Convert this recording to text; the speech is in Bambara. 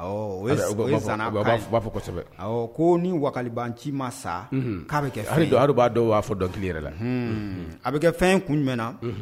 Awɔɔ u b'a fɔ kɔsɛbɛ awɔɔ koo ni wakalibanci ma sa ynhun k'a be kɛ fɛn ye har'u b'a dɔw b'a fɔ dɔnkili yɛrɛ la unhuuuun a be kɛ fɛn ye kun jumɛn na unhun